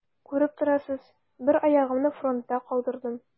Күреп торасыз: бер аягымны фронтта калдырдым.